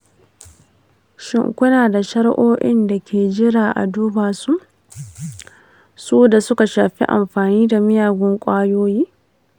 shin kuna da shari'o'in da ke jiran a duba su da suka shafi amfani da miyagun ƙwayoyi?